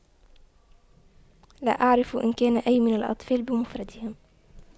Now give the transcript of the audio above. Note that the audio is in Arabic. لا أعرف إن كان أي من الأطفال بمفردهم